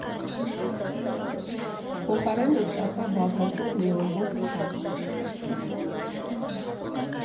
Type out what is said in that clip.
Փոխարենը՝ ստացա բազալտով մի ամբողջ պատ։